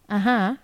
Ahɔn